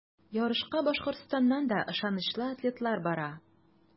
Ярышка Башкортстаннан да ышанычлы атлетлар бара.